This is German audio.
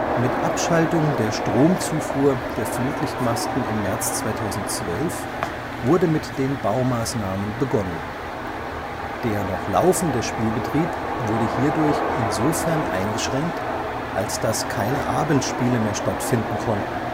Mit Abschaltung der Stromzufuhr der Fluchtlichtmasten im März 2012 wurde mit den Baumaßnahmen begonnen. Der noch laufende Spielbetrieb wurde hierdurch insofern eingeschränkt, als dass keine Abendspiele mehr stattfinden konnten